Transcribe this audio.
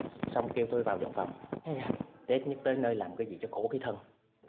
song kêu tôi vào dọn phòng tết nhất tới nơi làm cái gì cho khổ cái thân